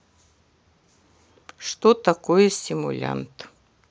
что такое симулянт